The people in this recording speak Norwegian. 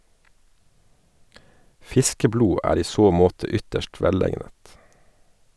Fiskeblod er i så måte ytterst velegnet.